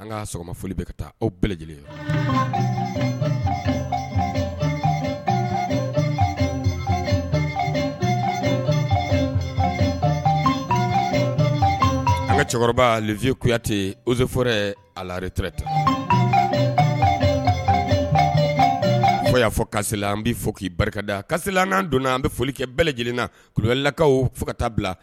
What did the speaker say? An ka sɔgɔma foli bɛ ka taa o bɛɛ lajɛlen la an ka cɛkɔrɔba kuyate of a larerreta ko y'a fɔ ka an b bɛ fɔ k'i barikada kasisi n anan donna an bɛ foli kɛ bɛɛ lajɛlen na kulu lakaww fo ka taa bila